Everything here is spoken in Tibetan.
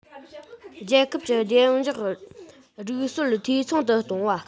རྒྱལ ཁབ ཀྱི བདེ འཇགས སྒྲིག སྲོལ འཐུས ཚང དུ གཏོང བ